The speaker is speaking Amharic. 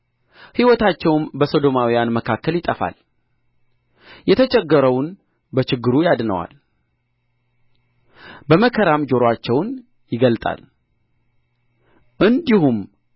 ሕይወታቸውም በሰዶማውያን መካከል ይጠፋል የተቸገረውን በችግሩ ያድነዋል በመከራም ጆሮአቸውን ይገልጣል እንዲሁም